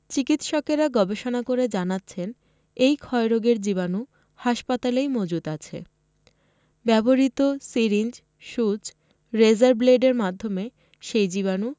চিকিৎসকেরা গবেষণা করে জানাচ্ছেন এই ক্ষয়রোগের জীবাণু হাসপাতালেই মজুত আছে ব্যবহৃত সিরিঞ্জ সুচ রেজার ব্লেডের মাধ্যমে সেই জীবাণু